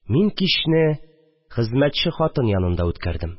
Мин кичне хезмәтче хатын янында үткәрдем